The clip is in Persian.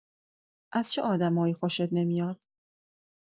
از چه آدمایی خوشت نمیاد؟